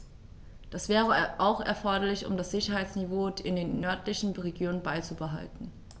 Das wäre auch erforderlich, um das Sicherheitsniveau in den nördlichen Regionen beizubehalten.